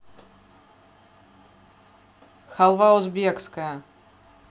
халва узбекская